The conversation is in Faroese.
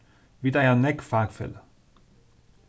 vit eiga nógv fakfeløg